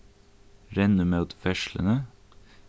renn ímóti ferðsluni